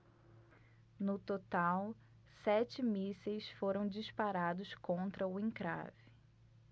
no total sete mísseis foram disparados contra o encrave